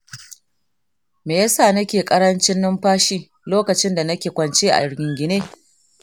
me ya sa nake ƙarancin numfashi lokacin da nake a kwance a rigingine?